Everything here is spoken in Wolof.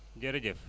jërëjëf